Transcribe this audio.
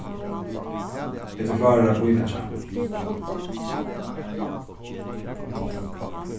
er tú klárur at bíleggja